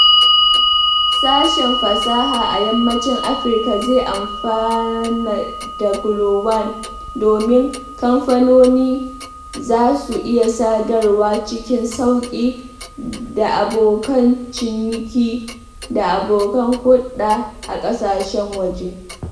Sashen fasaha a Yammacin Afirka zai amfana da Glo-1 domin kamfanoni za su iya sadarwa cikin sauƙi da abokan ciniki da abokan hulɗa a ƙasashen waje.